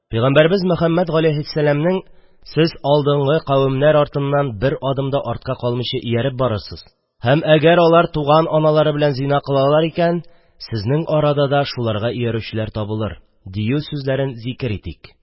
Пәйгамбәребез Мөхәммәт галәйһиссәләмнең: «Сез алдынгы кавемнәр артыннан бер адым да артка калмыйча ияреп барырсыз, һәм әгәр алар туган аналары белән зина кылалар икән, сезнең арада да шуларга иярүчеләр табылыр», – дию сүзләрен зикер итик*.